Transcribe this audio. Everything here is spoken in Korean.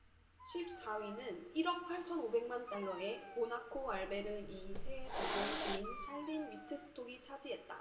십 사 위는 일 억 팔천 오백 만 달러의 모나코 알베르 이 세 대공 부인 샬린 위트스톡이 차지했다